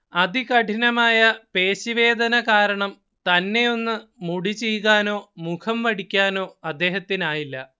അതികഠിനമായ പേശി വേദന കാരണം തന്നെ ഒന്ന് മുടി ചീകാനോ മുഖം വടിക്കാനൊ അദ്ദേഹത്തിനായില്ല